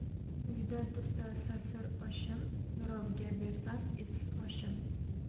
uyda tursa sasir oshim birovga bersam esiz oshim